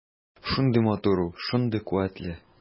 Шундый матур ул, шундый куәтле.